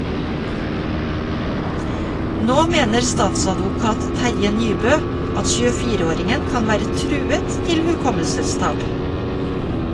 Nå mener statsadvokat Terje Nybøe at 24-åringen kan være truet til hukommelsestap.